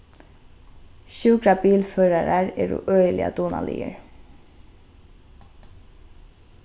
sjúkrabilførarar eru øgiliga dugnaligir